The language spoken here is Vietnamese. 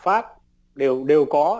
pháp đều đều có